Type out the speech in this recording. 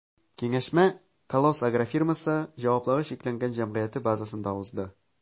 Киңәшмә “Колос” агрофирмасы” ҖЧҖ базасында узды.